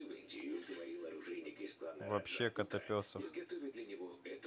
вообще котопесов